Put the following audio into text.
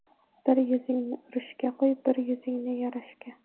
bir yuzingni urushga qo'y bir yuzingni yarashga